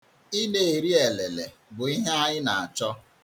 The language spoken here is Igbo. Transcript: Ị na-eri elele bụ ihe anyị na-achọ.